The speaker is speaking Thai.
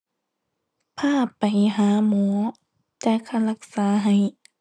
พาไปหาหมอ จ่ายค่ารักษาให้